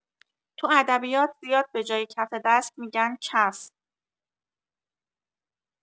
تو ادبیات زیاد به‌جای کف دست می‌گن کف.